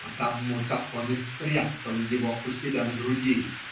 Потому-то он и спрятал его у себя на груди.